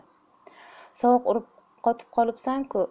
sovuq qotib ketibsan ku